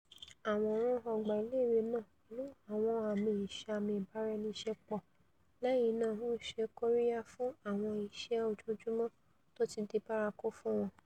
Àwòrán ọgbà ilé ìwé náà, pẹ̀lú àwọn àmi ìṣàmì ìbáraẹniṣepọ̀, lẹ́yìn náà ńṣekóríyá fún àwọn ìṣe ojoójúmọ tótidibárakú fún wọn.